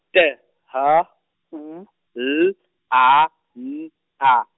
T H U L A N A.